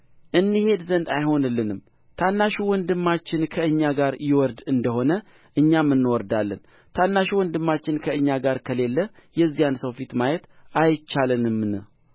እንሄድ ዘንድ አይሆንልንም ታናሹ ወንድማችን ከእኛ ጋር ይወርድ እንደ ሆነ እኛም እንወርዳለን ታናሹ ወንድማችን ከእኛ ጋር ከሌለ የዚያን ሰው ፊት ማየት አይቻለንምና